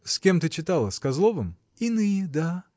— С кем же читала, с Козловым? — Иные — да.